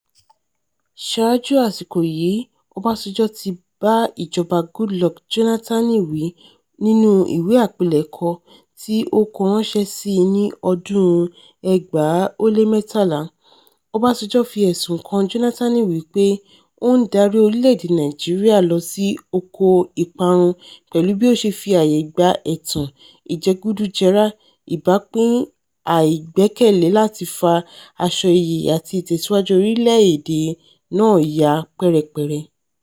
Ṣáájú àsìkò yìí, Ọbásanjọ́ ti bá ìjọba Goodluck Jónátánì wí nínú ìwé àpilẹ̀kọ tí ó kọ ránṣẹ́ sí i ní ọdún 2013, Ọbásanjọ́ fi ẹ̀sùn kan Jónátánì wípé ó ń darí orílẹ̀-èdè Nàìjíríà lọ sí oko ìparun pẹ̀lú bí ó ṣe fi àyè gba ẹ̀tàn, ìjẹ́gùdùjẹrà, ìbápín àìgbẹ́kẹ̀lé láti fa aṣọ iyì àti ìtẹ̀síwájú orílè-èdè náà ya pẹ́rẹpẹ̀rẹ.